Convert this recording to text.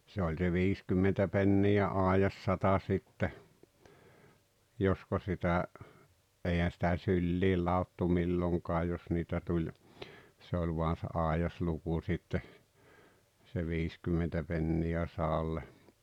se oli se viisikymmentä penniä aidassata sitten josko sitä eihän sitä syliin ladottu milloinkaan jos niitä tuli se oli vain se aidasluku sitten se viisikymmentä penniä sadalle